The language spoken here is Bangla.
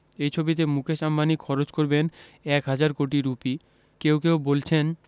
এই ছবিতে মুকেশ আম্বানি খরচ করবেন এক হাজার কোটি রুপি কেউ কেউ বলছেন